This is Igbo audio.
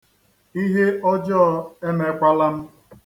Ihe ọjọọ emekwala m.